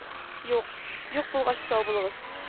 - юк! - юк булгач, сау булыгыз